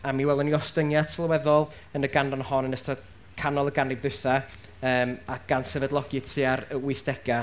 A mi welon ni ostyngiad sylweddol yn y ganran hon yn ystod canol y ganrif ddwytha, yym a gan sefydlogi tua'r yy wythdegau.